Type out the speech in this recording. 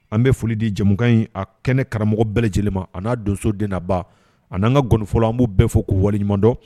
An bɛ foli di jɛ in a kɛnɛ karamɔgɔ bɛɛ lajɛlen ma a n'a donso de naba ani n'an ka gfɔ an b'u bɛɛ fo k'u waleɲumandɔn